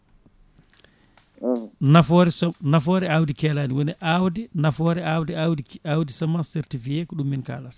nafoore awdi keeladi woni awde nafoore awde awdi semence certifié ko ɗum min kalata